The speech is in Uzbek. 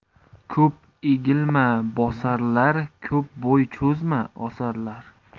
ko'p egilma bosarlar ko'p bo'y cho'zma osarlar